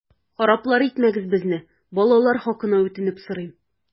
Хараплар итмәгез безне, балалар хакына үтенеп сорыйм!